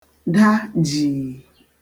da jìi